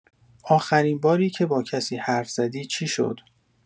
آخرین باری که با کسی حرف زدی چی شد؟